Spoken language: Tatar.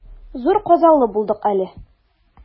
Зур казалы булдык әле.